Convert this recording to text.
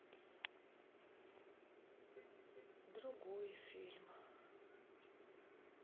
другой фильм